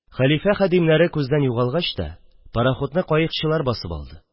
Хәлифә хәдимнәре күздән югалгач та, пароходны каекчылар басып алды